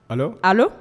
Balo a